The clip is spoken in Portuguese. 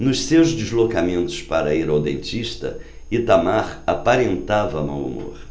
nos seus deslocamentos para ir ao dentista itamar aparentava mau humor